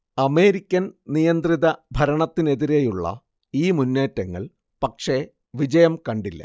American നിയന്ത്രിത ഭരണത്തിനെതിരെയുള്ള ഈ മുന്നേറ്റങ്ങൾ പക്ഷേ വിജയം കണ്ടില്ല